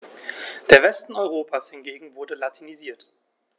Der Westen Europas hingegen wurde latinisiert.